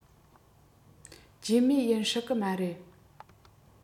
རྒྱུས མེད ཡིན སྲིད གི མ རེད